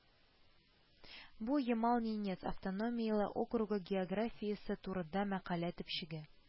Бу Ямал-Ненец автономияле округы географиясе турында мәкалә төпчеге